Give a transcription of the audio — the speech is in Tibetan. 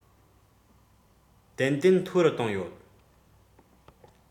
ཏན ཏན མཐོ རུ བཏང ཡོད